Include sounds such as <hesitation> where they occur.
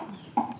<hesitation> <noise>